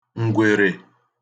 ngwere